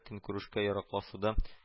Көнкүрешкә яраклашуда